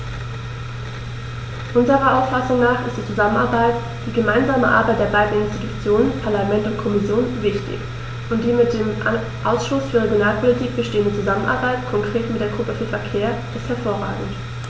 Unserer Auffassung nach ist die Zusammenarbeit, die gemeinsame Arbeit der beiden Institutionen - Parlament und Kommission - wichtig, und die mit dem Ausschuss für Regionalpolitik bestehende Zusammenarbeit, konkret mit der Gruppe für Verkehr, ist hervorragend.